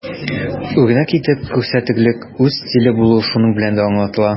Үрнәк итеп күрсәтерлек үз стиле булу шуның белән дә аңлатыла.